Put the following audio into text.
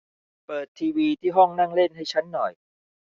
เปิดทีวีที่ห้องนั่งเล่นให้ฉันหน่อย